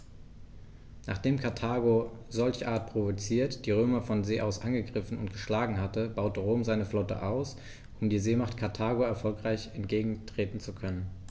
Nachdem Karthago, solcherart provoziert, die Römer von See aus angegriffen und geschlagen hatte, baute Rom seine Flotte aus, um der Seemacht Karthago erfolgreich entgegentreten zu können.